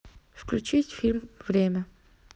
включить фильм время